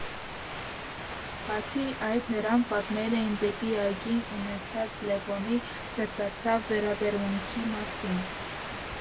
Բացի այդ, նրան պատմել էին դեպի այգին ունեցած Լևոնի սրտացավ վերաբերմունքի մասին։